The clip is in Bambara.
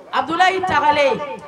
Abudulayi Tabale